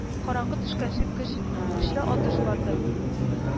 Караңгы төшкәнче көч көчле атыш барды